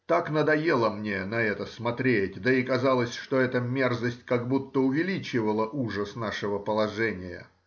Так надоело мне на это смотреть, да и казалось, что эта мерзость как будто увеличивала ужас нашего положения.